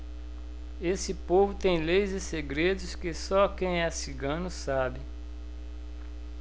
esse povo tem leis e segredos que só quem é cigano sabe